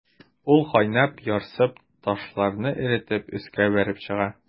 Ул кайнап, ярсып, ташларны эретеп өскә бәреп чыга.